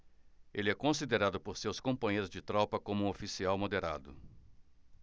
ele é considerado por seus companheiros de tropa como um oficial moderado